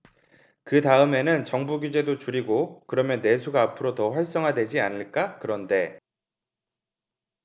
그 다음에는 정부 규제도 줄이고 그러면 내수가 앞으로 더 활성화되지 않을까 그런데